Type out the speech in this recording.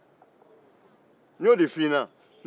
n y'o de fɔ i ɲɛna